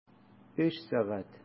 Өч сәгать!